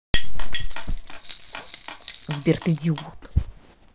сбер ты идиот